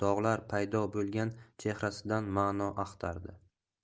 dog'lar paydo bo'lgan chehrasidan ma'no axtardi